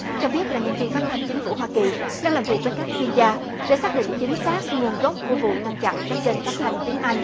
cho biết là nhân viên phát thanh chính phủ hoa kỳ đang làm việc với các chuyên gia để xác định chính xác nguồn gốc của vụ ngăn chặn các kênh phát thanh tiếng anh